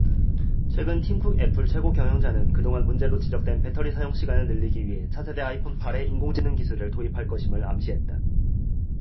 최근 팀쿡 애플 최고경영자는 그동안 문제로 지적된 배터리 사용시간을 늘리기 위해 차세대 아이폰 팔 에 인공지능기술을 도입할 것임을 암시했다